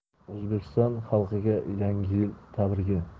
o'zbekiston xalqiga yangi yil tabrigi